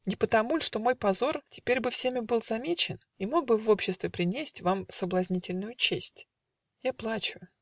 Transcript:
Не потому ль, что мой позор Теперь бы всеми был замечен, И мог бы в обществе принесть Вам соблазнительную честь? Я плачу.